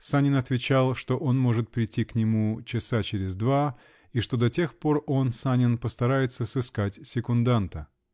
Санин отвечал, что он может прийти к нему часа через два и что до тех пор он, Санин, постарается сыскать секунданта.